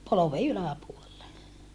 polven yläpuolelle